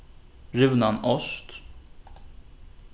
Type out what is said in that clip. rivnan ost